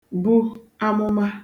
bu amụma